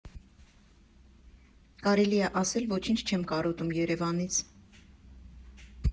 Կարելի է ասել՝ ոչինչ չեմ կարոտում Երևանից։